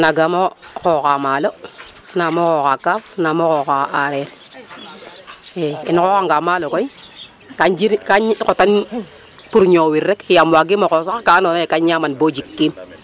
Nangaam o xooxaa maalo, naam o xooxaa kaaf, naam o xooxaa aareer in xooxanga maalo koy kan jilinkan xotan pour ñoowir rek yaam waagiim o xoox sax ka andoona yee kaam ñaaman bo jikiim.